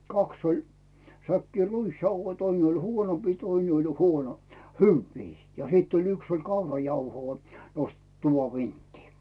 kaksi oli säkkiä ruisjauhoja toinen oli huonompia toinen oli huono hyviä ja sitten oli yksi oli kaurajauhoa nostettu tuvan vinttiin